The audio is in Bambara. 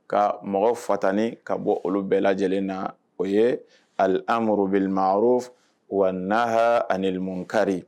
Ka mɔgɔ fatani ka bɔ olu bɛɛ lajɛlen na o ye